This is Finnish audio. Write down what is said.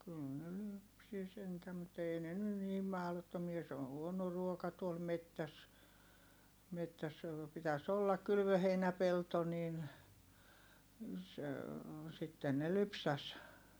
kyllä ne lypsi sentään mutta ei ne nyt niin mahdottomia se on huono ruoka tuolla metsässä metsässä - pitäisi olla kylvöheinäpelto niin se sitten ne lypsäisi